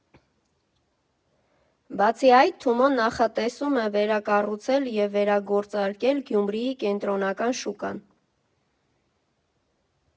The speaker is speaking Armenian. Բացի այդ, Թումոն նախատեսում է վերակառուցել և վերագործարկել Գյումրիի կենտրոնական շուկան։